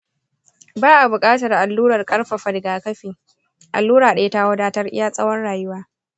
ba'a bukatar allurar karfafa rigakafi, allura daya ta wadatar iya tsawon rayuwa